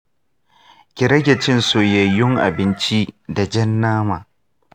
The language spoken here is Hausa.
ki rage cin soyayyun abinci da jan nama.